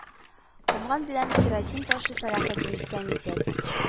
Комган белән кирасин ташый Салахетдин «Кәмитет»